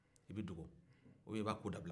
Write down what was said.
i bɛ don ubiyen i b'a ko dabila